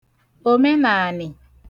òmenàànị̀